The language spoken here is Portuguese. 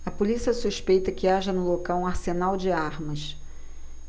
a polícia suspeita que haja no local um arsenal de armas